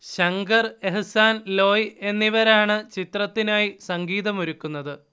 ശങ്കർ, എഹ്സാൻ, ലോയ് എന്നിവരാണ് ചിത്രത്തിനായി സംഗീതം ഒരുക്കുന്നത്